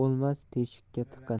bo'lmas teshikka tiqin